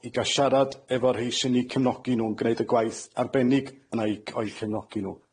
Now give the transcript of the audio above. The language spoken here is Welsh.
i ga'l siarad efo'r rhei sy'n 'u cefnogi nwm yn gneud y gwaith arbennig yna i- o'u cefnogi nw.